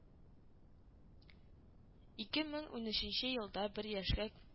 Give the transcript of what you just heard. Ике мең унөченче елда бер яшькә